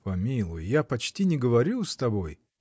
— Помилуй, я почти не говорю с тобой.